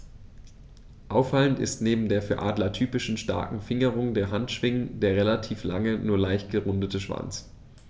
Auffallend ist neben der für Adler typischen starken Fingerung der Handschwingen der relativ lange, nur leicht gerundete Schwanz.